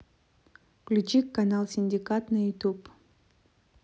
включи канал синдикат на ютуб